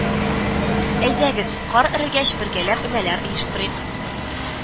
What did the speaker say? Әйдәгез, кар эрегәч бергәләп өмәләр оештырыйк